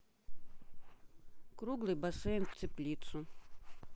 круглый бассейн в теплицу